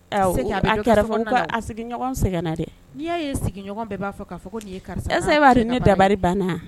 a sigiɲɔgɔn sɛgɛnna dɛ, n'i y'a ye ko sigiɲɔgɔn bɛɛ b'a fɔ k'a fɔ ko nin ye karisa